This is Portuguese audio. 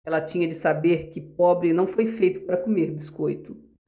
ela tinha de saber que pobre não foi feito para comer biscoito